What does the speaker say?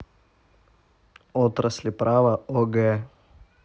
отрасли права огэ